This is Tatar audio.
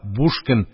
Буш көн